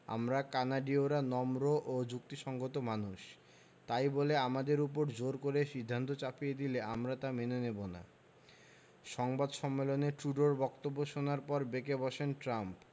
আমরা কানাডীয়রা নম্র ও যুক্তিসংগত মানুষ তাই বলে আমাদের ওপর জোর করে সিদ্ধান্ত চাপিয়ে দিলে আমরা তা মেনে নেব না সংবাদ সম্মেলনে ট্রুডোর বক্তব্য শোনার পর বেঁকে বসেন ট্রাম্প